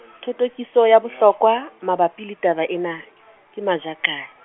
thothokiso ya bohlokwa, mabapi le taba ena , ke Majakane.